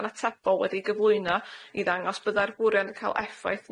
anatebol wedi'i gyflwyno i ddangos byddai'r bwriad yn ca'l effaith